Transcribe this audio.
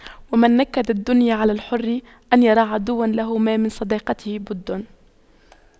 ومن نكد الدنيا على الحر أن يرى عدوا له ما من صداقته بد